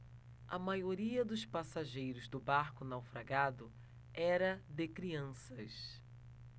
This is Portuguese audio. a maioria dos passageiros do barco naufragado era de crianças